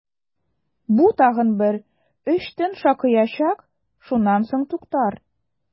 Бу тагын бер өч төн шакыячак, шуннан соң туктар!